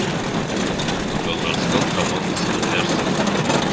Татарстан командасы нәрсә ул?